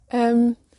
Yym.